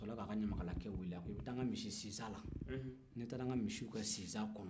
a sɔrɔ la k'a ka ɲamakalakɛ wele a ko taa n ka misisinsan na n'i taara n ka misiw ka sinsan kɔnɔ